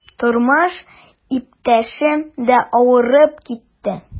Тормыш иптәшем дә авырып китте.